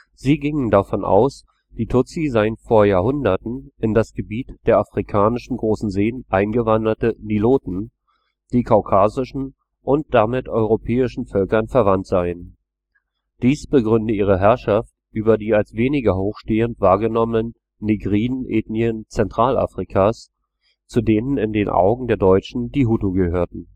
Sie gingen davon aus, die Tutsi seien vor Jahrhunderten in das Gebiet der Afrikanischen Großen Seen eingewanderte Niloten, die kaukasischen und damit europäischen Völkern verwandt seien. Dies begründe ihre Herrschaft über die als weniger hoch stehend wahrgenommenen „ negriden “Ethnien Zentralafrikas, zu denen in den Augen der Deutschen die Hutu gehörten